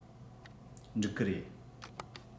འགྲིག གི རེད